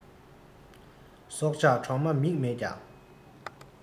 སྲོག ཆགས གྲོག མ མིག མེད ཀྱང